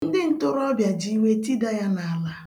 Ndị ntoroọbịa ji iwe tida ya n'ala